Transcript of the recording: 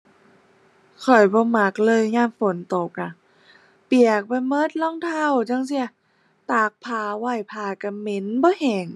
ค่อยบ่มักเลยยามฝนตกอะ เปียกไปหมด รองเท้าจั่งซี้ ตากผ้าไว้ ผ้าหมดเหม็น บ่แห้ง